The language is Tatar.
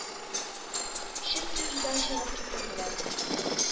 Чөнки өйдән чыгып китү белән,